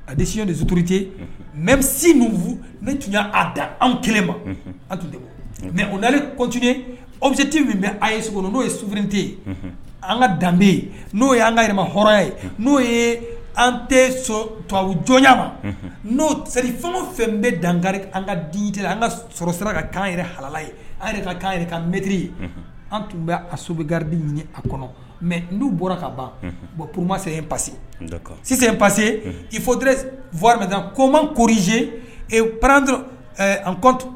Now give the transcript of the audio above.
A mɛ tun da anwliti'o an ka danbe n' n'o ye an tɛ tubabu ma n'o se fɛn fɛn bɛ danga an ka an ka sɔrɔsira ka kan yɛrɛ hala ye an yɛrɛ kan yɛrɛ ka mɛtiriri ye an tun bɛ a sobi gari ɲini a kɔnɔ mɛ n'u bɔra ka ban bon pma pa sisan pase i fɔt fmɛ ko man korize pa an